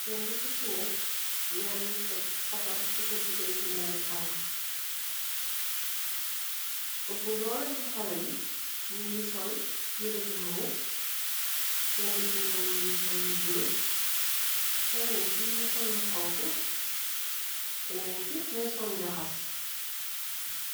kennah kuuh si neeh yakeeh teeg sabaar si saah diganteh tangah , lu opeh doleh si haleeh yeeh yuuh keeh sool yereh yuuh moov kenaah si nyom bugeh sool yereh buh bulo , kenen keeh buuh keeh sol lu honha , kenen keh mugeh sol njahass.